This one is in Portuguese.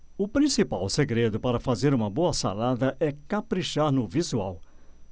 o principal segredo para fazer uma boa salada é caprichar no visual